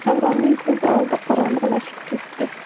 davronning ko'z oldi qorong'ilashib ketdi